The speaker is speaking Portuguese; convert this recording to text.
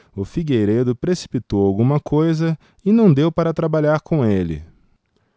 o figueiredo precipitou alguma coisa e não deu para trabalhar com ele